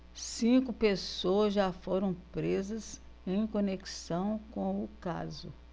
cinco pessoas já foram presas em conexão com o caso